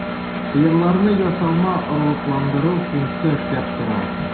Сыерларны ясалма орлыкландыру пункты эшләп тора.